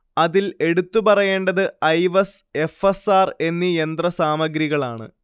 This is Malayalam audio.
അതിൽ എടുത്തു പറയേണ്ടത് ഐവസ്, എഫ്. എസ്. ആർ എന്നീ യന്ത്ര സാമഗ്രികളാണ്